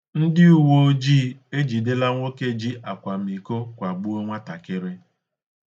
Ndị uwoojii ejidela nwoke ji akwamiko kwagbuo nwatakịrị.